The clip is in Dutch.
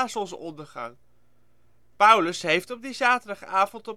zonsondergang. Paulus heeft op die Zaterdagavond